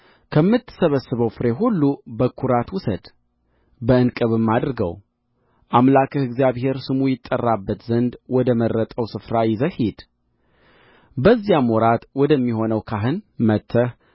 ከምትሰበስበው ፍሬ ሁሉ በኵራት ውሰድ በዕንቅብም አድርገው አምላክህ እግዚአብሔር ስሙ ይጠራበት ዘንድ ወደ መረጠውም ስፍራ ይዘህ ሂድ በዚያም ወራት ወደሚሆነው ካህን መጥተህ